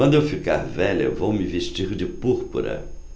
quando eu ficar velha vou me vestir de púrpura